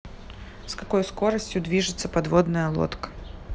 с какой скоростью движется подводная лодка